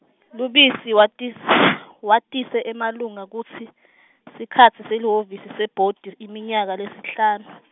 Lubisi watis- watise emalunga kutsi, sikhatsi selihhovisi sebhodi, iminyaka lesihlanu.